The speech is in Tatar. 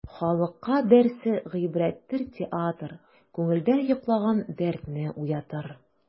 Халыкка дәрсе гыйбрәттер театр, күңелдә йоклаган дәртне уятыр.